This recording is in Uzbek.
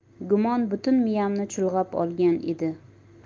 gumon butun miyamni chulg'ab olgan edi